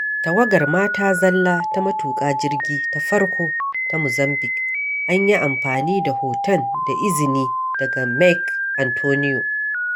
Tawagar mata zalla ta matuƙa jirgi ta farko ta Mozambiƙue An yi amfani da hoton da izini daga Meck Antonio.